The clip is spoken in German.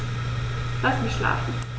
Lass mich schlafen